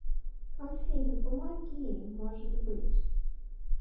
афина помоги может быть